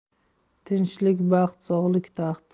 tinchhk baxt sog'lik taxt